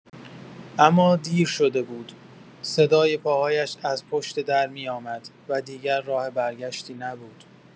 اما دیر شده بود، صدای پاهایش از پشت درمی‌آمد و دیگر راه برگشتی نبود.